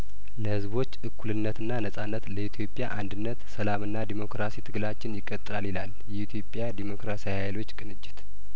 ለህዝቦች እኩልነትና ነጻነት ለኢትዮጵያ አንድነት ሰላምና ዴሞክራሲ ትግላችን ይቀጥላል ይላል የኢትዮጵያ ዴሞክራሲያዊ ሀይሎች ቅንጅት